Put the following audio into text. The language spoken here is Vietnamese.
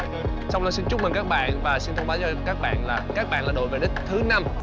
song luân xin chúc mừng các bạn và xin thông báo đến các bạn là các bạn là đội về đích thứ năm